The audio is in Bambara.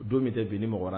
Don min tɛ bin ni mɔgɔra